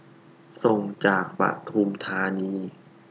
ส่งจากปทุมธานี